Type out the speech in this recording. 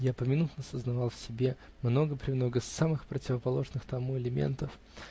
Я поминутно сознавал в себе много-премного самых противоположных тому элементов.